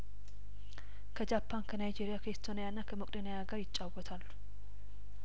ከጃፓን ከናይጄሪያከኢስቶኒያና ከሜቄዶኒያጋር ይጫወታሉ